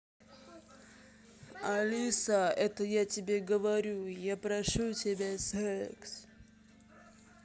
алиса это я тебе говорю я прошу тебя секс